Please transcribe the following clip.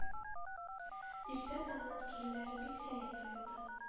Иртә таңнан килүләре бик сәер тоелды